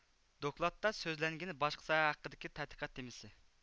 دوكلاتتا سۆزلەنگىنى باشقا ساھە ھەققىدىكى تەتقىقات تېمىسى